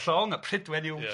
llong a Prydwen yw... Ia...